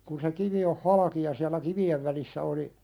kun se kivi on halki ja siellä kivien välissä oli